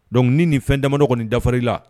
Donc ni nin fɛn damadɔ kɔni dafar'i la